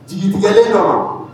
Sjɛlen kama wa